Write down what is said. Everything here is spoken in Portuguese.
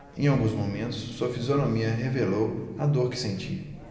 em alguns momentos sua fisionomia revelou a dor que sentia